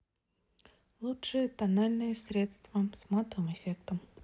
лучшие тональные средства с матовым эффектом